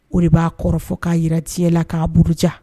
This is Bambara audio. O de b'a kɔrɔfɔ k'a jira cɛ la k'a buruja.